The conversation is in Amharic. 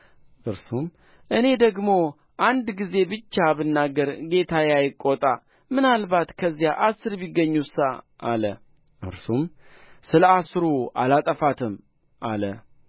እርሱም እኔ ደግሞ አንድ ጊዜ ብቻ ብናገር ጌታዬ አይቆጣ ምናልባት ከዚያ አሥር ቢገኙሳ አለ እርሱም ስለ አሥሩ አላጠፋትም አለ